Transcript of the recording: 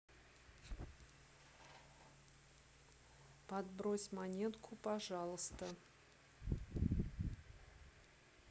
подбрось монетку пожалуйста